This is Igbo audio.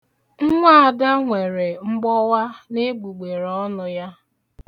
Nwa Ada nwere mgbọwa n'egbugbere ọnụ ya.